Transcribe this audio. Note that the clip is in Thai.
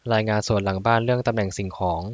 รายงานสวนหลังบ้านเรื่องตำแหน่งสิ่งของ